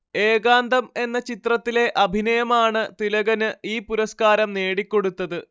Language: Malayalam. ഏകാന്തം എന്ന ചിത്രത്തിലെ അഭിനയമാണ് തിലകന് ഈ പുരസ്കാരം നേടിക്കൊടുത്തത്